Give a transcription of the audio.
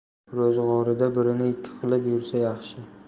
ro'zg'orida birini ikki qilib yursa yaxshi